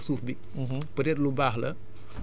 naan da nga ko fay bàyyi pour aar suuf bi